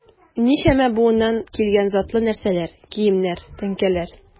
Ничәмә буыннан килгән затлы нәрсәләр, киемнәр, тәңкәләр...